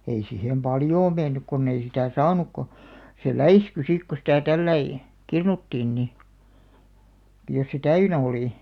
ei siihen paljoa mennyt kun ei sitä saanut kun se läiskyi sitten kun sitä tällä lailla kirnuttiin niin - jos se täynnä oli